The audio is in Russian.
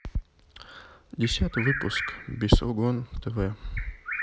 десятый выпуск бесогон тв